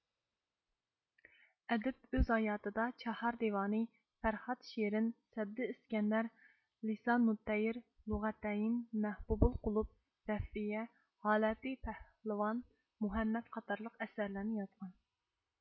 ئەدىب ئۆز ھاياتىدا چاھار دىۋانى فەرھاد شېرىن سەددى ئىسكەندەر لىسانۇتتەير لۇغەتەين مەھبۇبۇل قۇلۇپ ۋەففىيە ھالەتى پەھلىۋان مۇھەممەد قاتارلىق ئەسەرلەرنى يازغان